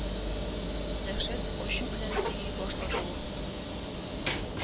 Дәһшәт, ачу белән сөйли башлады ул: